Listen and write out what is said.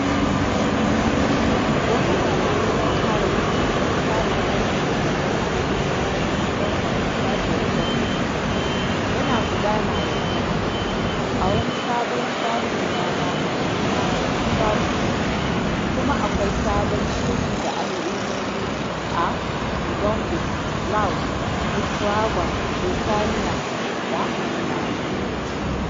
Wani yunƙuri na tara kuɗi don samun haƙƙin mallakar hannun jari a kamfanin TribeWanted Ltd yana gudana yanxu haka, a wani sabon shafin yanar mai suna Crowdcube, kuma akwai sabon shiri ga al’ummomi a Mozambique, Laos, Nicaragua, Burtaniya, da Bali.